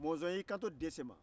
mɔnzɔn y'i kanto dɛsɛ ma